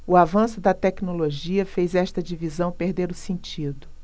o avanço da tecnologia fez esta divisão perder o sentido